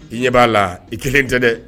I ɲɛ b'a la i kelen tɛ dɛ